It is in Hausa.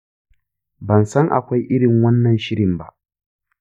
ban san akwai irin wannan shirin ba.